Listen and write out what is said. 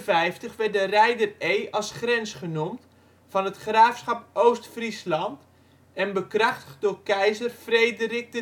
1454 werd de Reider Ee als grens genoemd van het graafschap Oost-Friesland en bekrachtigd door keizer Frederik